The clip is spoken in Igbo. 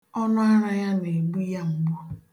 Ọnụara ya na-egbu ya mgbu.